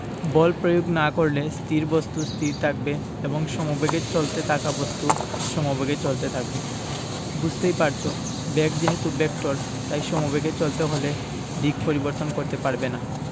বল প্রয়োগ না করলে স্থির বস্তু স্থির থাকবে এবং সমেবেগে চলতে থাকা বস্তু সমেবেগে চলতে থাকবে বুঝতেই পারছ বেগ যেহেতু ভেক্টর তাই সমবেগে চলতে হলে দিক পরিবর্তন করতে পারবে না